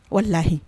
Walahi